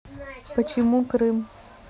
почему крым